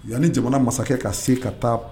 Yan ni jamana masakɛ ka se ka taa